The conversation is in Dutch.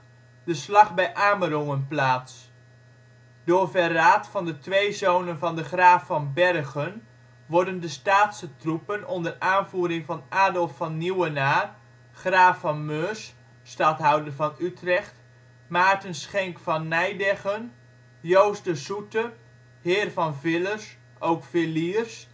slag bij Amerongen plaats. Door verraad van de twee zonen van de Graaf van Bergen worden de Staatse troepen onder aanvoering van Adolf van Nieuwenaar, graaf van Meurs (stadhouder van Utrecht), Maarten Schenk van Nydeggen, Joost de Soete, heer van Villers (ook Villiers